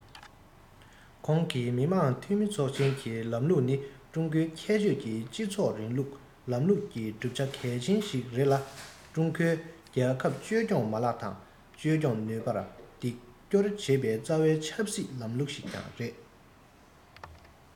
ཁོང གིས མི དམངས འཐུས མི ཚོགས ཆེན གྱི ལམ ལུགས ནི ཀྲུང གོའི ཁྱད ཆོས ཀྱི སྤྱི ཚོགས རིང ལུགས ལམ ལུགས ཀྱི གྲུབ ཆ གལ ཆེན ཞིག རེད ལ ཀྲུང གོའི རྒྱལ ཁབ བཅོས སྐྱོང མ ལག དང བཅོས སྐྱོང ནུས པར འདེགས སྐྱོར བྱེད པའི རྩ བའི ཆབ སྲིད ལམ ལུགས ཤིག ཀྱང རེད